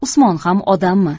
usmon ham odammi